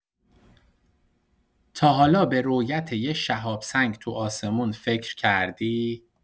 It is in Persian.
تا حالا به رؤیت یه شهاب‌سنگ تو آسمون فکر کردی؟